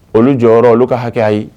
Olu jɔyɔrɔ olu ka hakɛ ye